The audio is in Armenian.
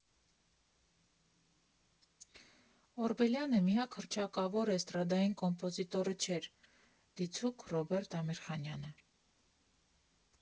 Օրբելյանը միակ հռչակավոր էստրադային կոմպոզիտորը չէր, դիցուք՝ Ռոբերտ Ամիրխանյանը։